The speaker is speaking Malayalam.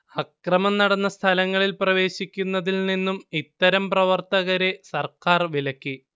അക്രമം നടന്ന സ്ഥലങ്ങളിൽ പ്രവേശിക്കുന്നതിൽ നിന്നും ഇത്തരം പ്രവർത്തകരെ സർക്കാർ വിലക്കി